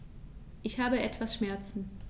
Ich habe etwas Schmerzen.